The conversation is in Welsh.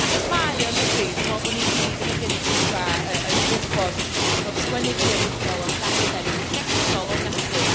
Achos mae o, yn dydy, dwi'n meddwl bod ni i gyd yn y gynulleidfa yn gwbod fod sgwennu creadigol a darllen yn llesol ofnadwy.